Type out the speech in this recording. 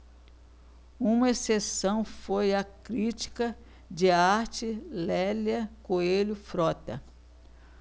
uma exceção foi a crítica de arte lélia coelho frota